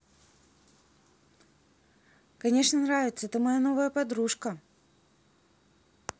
конечно нравится ты моя новая подружка